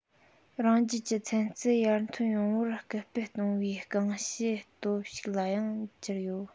རང རྒྱལ གྱི ཚན རྩལ ཡར ཐོན ཡོང བར སྐུལ སྤེལ གཏོང བའི རྐང བྱེད སྟོབས ཤུགས ལའང གྱུར ཡོད